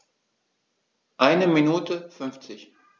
Eine Minute 50